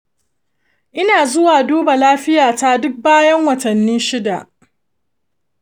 ina zuwa duba lafiyata duk bayan watanni shida.